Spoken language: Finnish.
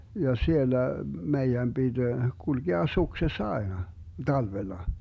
ja siellä meidän piti kulkea suksessa aina talvella